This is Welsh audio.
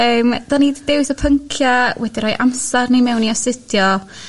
Yym 'da ni 'di dewis y pyncia wedi roi amser ni mewn i asdudio